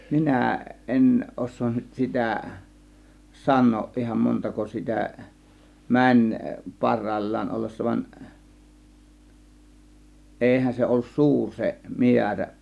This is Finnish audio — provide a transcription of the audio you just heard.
minä en osaa nyt sitä sanoa ihan montako sitä meni parhaillaan ollessa vaan eihän se ollut suuri se määrä